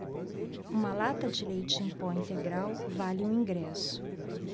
uma lata de leite em pó integral vale um ingresso